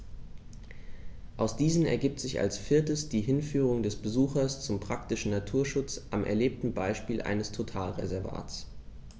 Aus diesen ergibt sich als viertes die Hinführung des Besuchers zum praktischen Naturschutz am erlebten Beispiel eines Totalreservats.